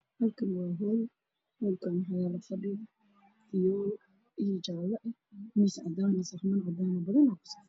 Halkaan waa hool waxaa yaalo fadhi fiyool iyo jaale ah, miis cadaan ah waxaa saaran saxaman cadaan ah oo badan.